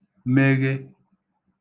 meghe